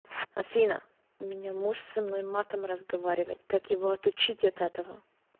афина у меня муж со мной матом разговаривать как его отучить от этого